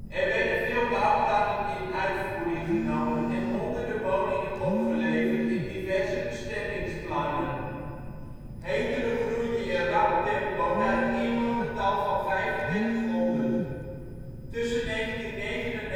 Er werden veel bouwplannen in uitvoering genomen en honderden woningen opgeleverd in diverse bestemmingsplannen. Heteren groeide in een rap tempo naar een inwonertal van 3500. Tussen 1999 en 2001